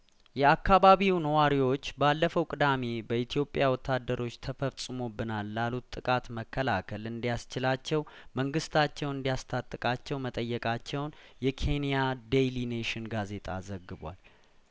የአካባቢው ነዋሪዎች ባለፈው ቅዳሜ በኢትዮጵያ ወታደሮች ተፈጽሞብናል ላሉት ጥቃት መከላከል እንዲ ያስችላቸው መንግስታቸው እንዲያስ ታጥቃቸው መጠየቃቸውን የኬንያዴይሊ ኔሽን ጋዜጣ ዘግቧል